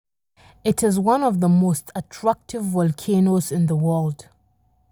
It is one of the most active volcanoes in the world.